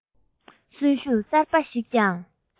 གསོན ཤུགས གསར པ ཞིག ཀྱང